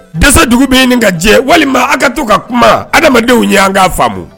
Dasa dugu bɛ ɲini nin ka jɛ walima aw ka to ka kuma adamadamadenw ye an'a faamu